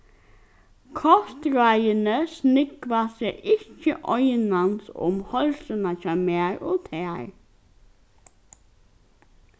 kostráðini snúgva seg ikki einans um heilsuna hjá mær og tær